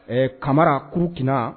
Ɛɛ kamara ku kina